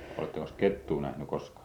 olettekos kettua nähnyt koskaan